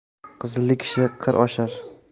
qizli kishi qir oshar